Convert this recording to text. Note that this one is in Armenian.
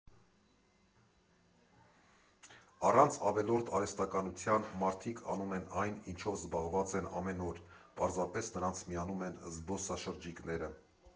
Առանց ավելորդ արհեստականության՝ մարդիկ անում են այն, ինչով զբաղված են ամեն օր, պարզապես նրանց միանում են զբոսաշրջիկները։